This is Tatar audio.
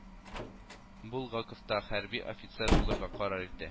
Булгаков та хәрби офицер булырга карар итә